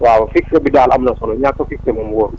waaw fixer bi daal am na solo ñàkk a fixer moom wóorul